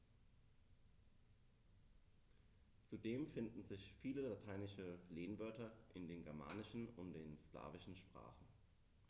Zudem finden sich viele lateinische Lehnwörter in den germanischen und den slawischen Sprachen.